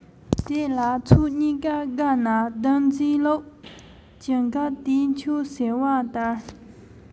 དེ ལ ཕྱོགས གཉིས ཀ དགའ ན སྡུམ བྱེད ལུགས ཇི འགབ བལྟས ཆོག ཟེར བ ལྟར